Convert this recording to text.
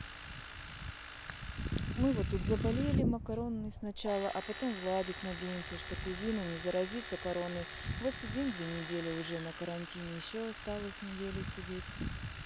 мы вот тут заболели макаронной сначала я потом владик надеемся что кузина не заразиться короной вот сидим две недели уже на карантине еще осталось неделю сидеть